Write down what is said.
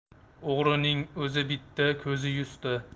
o'g'rining o'zi bitta ko'zi yuzta